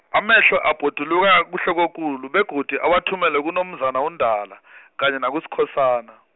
amehlo abhoduluka kuhlokokulu begodu awathumele kuNomzana uNdala, kanye nakuSkhosana.